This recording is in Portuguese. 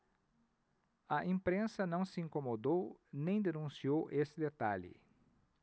a imprensa não se incomodou nem denunciou esse detalhe